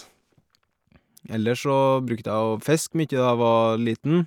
Ellers så brukte jeg å fiske mye da jeg var liten.